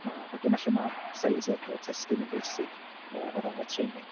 yy a dyna lle ma' size y testun yn bwysig yy o ran y training.